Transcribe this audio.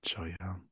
Joio.